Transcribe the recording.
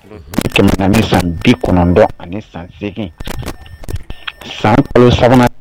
Tɛm ni san bi kɔnɔntɔn ani san segingin san kalo sabanan